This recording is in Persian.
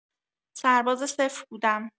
سرباز صفر بودم